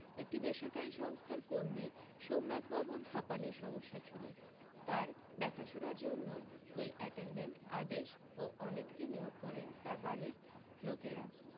একটি বেসরকারি সংস্থার কর্মী সোমনাথবাবুর হাঁপানির সমস্যা ছিল তার দেখাশোনার জন্য দুই অ্যাটেনডেন্ট আদেশ ও অনীতকে নিয়োগ করেন তার বাড়ীর লোকেরা